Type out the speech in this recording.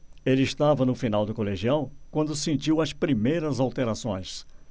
ele estava no final do colegial quando sentiu as primeiras alterações